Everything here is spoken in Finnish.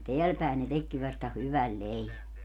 ja täällä päin ne tekikin vasta hyvän leivän